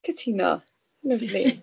Cytuno. Lyfli.